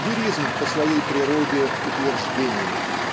Лиризм по своей природе - утверждение